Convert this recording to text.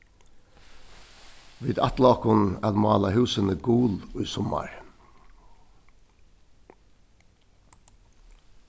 vit ætla okkum at mála húsini gul í summar